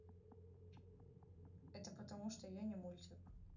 это потому что я не мультик